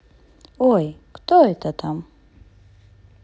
ой кто это там